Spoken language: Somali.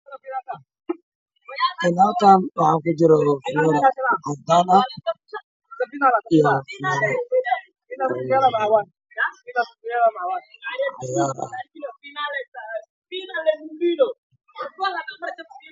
Waa miis waxaa saaran ubax midabkiisii yahay caddaan cagaar miiska waa qaxwi